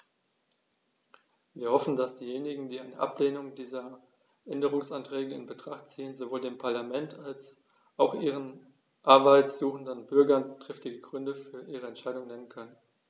Wir hoffen, dass diejenigen, die eine Ablehnung dieser Änderungsanträge in Betracht ziehen, sowohl dem Parlament als auch ihren Arbeit suchenden Bürgern triftige Gründe für ihre Entscheidung nennen können.